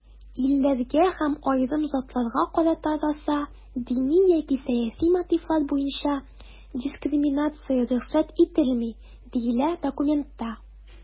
"илләргә һәм аерым затларга карата раса, дини яки сәяси мотивлар буенча дискриминация рөхсәт ителми", - диелә документта.